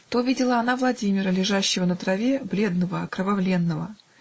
то видела она Владимира, лежащего на траве, бледного, окровавленного.